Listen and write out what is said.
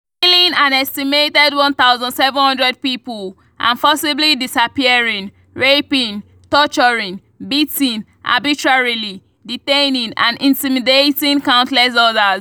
Killing an estimated 1,700 people and forcibly disappearing, raping, torturing, beating, arbitrarily detaining, and intimidating countless others.